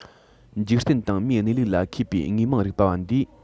འཇིག རྟེན དང མིའི གནས ལུགས ལ མཁས པའི དངོས མང རིག པ བ འདིས